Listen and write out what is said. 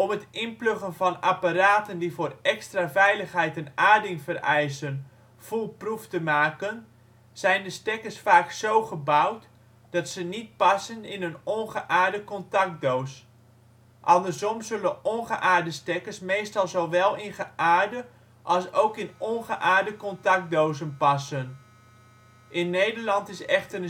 het inpluggen van apparaten die voor extra veiligheid een aarding vereisen foolproof te maken zijn de stekkers vaak zo gebouwd dat ze niet passen in een ongeaarde contactdoos. Andersom zullen ongeaarde stekkers meestal zowel in geaarde als ook in ongeaarde contactdozen passen. In Nederland is echter